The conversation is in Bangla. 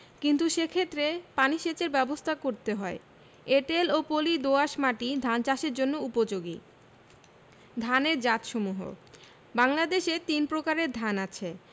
কিন্তু সেক্ষেত্রে পানি সেচের ব্যাবস্থা করতে হয় এঁটেল ও পলি দোআঁশ মাটি ধান চাষের জন্য উপযোগী ধানের জাতসমূহঃ বাংলাদেশে তিন প্রকারের ধান আছে